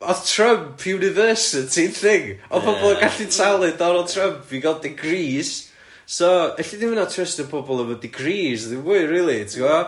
O'dd Trump University yn thing, o'dd pobol yn gallu talu Donald Trump i ga'l degrees so elli di'm hyd'n oed trystio pobol efo degrees ddim mwy rili ti' gwbo'? M-hm.